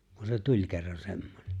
kun se tuli kerran semmoinen